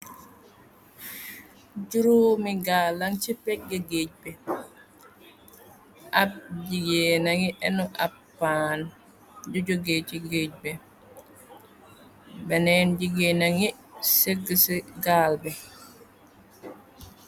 Juróomi gaal lang ci pegg géej bi, ab jigeen na ngi enu ab paan di jógé ci géej bi, beneen jiggéen na ngi segg ci gaal bi.